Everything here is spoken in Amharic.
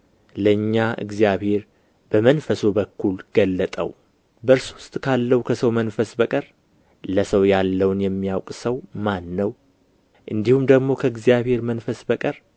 ለእኛ እግዚአብሔር በመንፈሱ በኩል ገለጠው በእርሱ ውስጥ ካለው ከሰው መንፈስ በቀር ለሰው ያለውን የሚያውቅ ሰው ማን ነው እንዲሁም ደግሞ ከእግዚአብሔር መንፈስ በቀር